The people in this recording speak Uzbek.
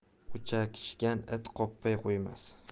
o'chakishgan it qopmay qo'ymas